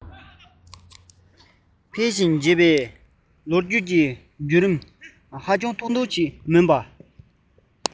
འཕེལ ཞིང རྒྱས པའི ལོ རྒྱུས ཀྱི རྒྱུད རིམ ཐུང ཐུང མིན ལ